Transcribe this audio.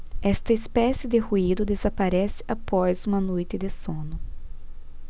esta espécie de ruído desaparece após uma noite de sono